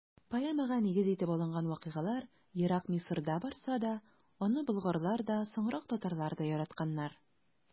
Поэмага нигез итеп алынган вакыйгалар ерак Мисырда барса да, аны болгарлар да, соңрак татарлар да яратканнар.